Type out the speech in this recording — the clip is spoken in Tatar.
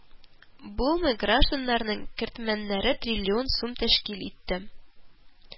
Булмый: гражданнарның кертемнәре триллион сум тәшкил итте